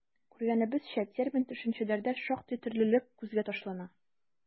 Күргәнебезчә, термин-төшенчәләрдә шактый төрлелек күзгә ташлана.